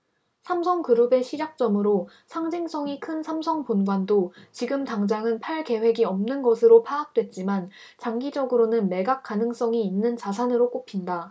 삼성그룹의 시작점으로 상징성이 큰 삼성본관도 지금 당장은 팔 계획이 없는 것으로 파악됐지만 장기적으로는 매각 가능성이 있는 자산으로 꼽힌다